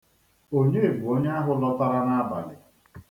Onye bụ onye ahụ lọtara n'abalị?